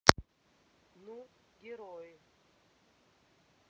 ну герои